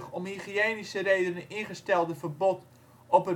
om hygiënische redenen ingestelde verbod op